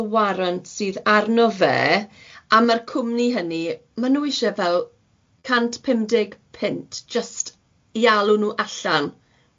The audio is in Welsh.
o warant sydd arno fe, a ma'r cwmni hynny ma' nw isie fel cant pum deg punt jyst i alw nw allan.